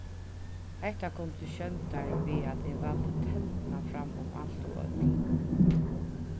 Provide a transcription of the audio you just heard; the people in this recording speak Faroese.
hetta kom til sjóndar við at eg valdi telduna fram um alt og øll